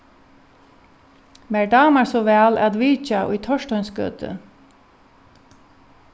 mær dámar so væl at vitja í torsteinsgøtu